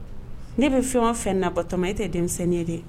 Ne bɛ fɛnɔn fɛn na batoma e tɛ denmisɛnnin ye de